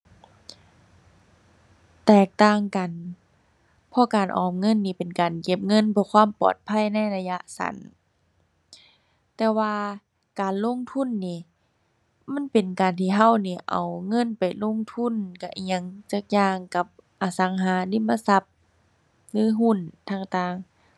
แตกต่างกัน เพราะการออมเงินนี่เป็นการเก็บเงินเพื่อความปลอดภัยในระยะสั้น แต่ว่าการลงทุนนี่ มันเป็นการที่เรานี่เอาเงินไปลงทุนกะอิหยังจักอย่างกับอสังหาริมทรัพย์หรือหุ้นต่างต่าง